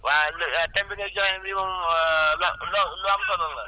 waa lu thème bi nga joxe bii moom lu am solo la